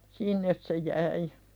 sinne se jäi